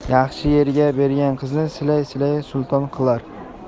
yaxshi yerga bersang qizni silay silay sulton qilar